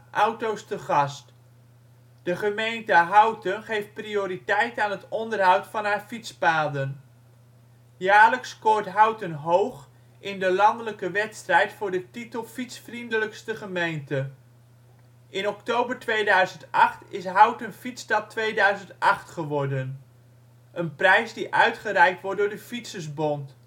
auto 's te gast ". De gemeente Houten geeft prioriteit aan het onderhoud van haar fietspaden. Jaarlijks scoort Houten hoog in de landelijke wedstrijd voor de titel van fietsvriendelijkste gemeente. In oktober 2008 is Houten Fietsstad 2008 geworden, een prijs die uitgereikt wordt door de Fietsersbond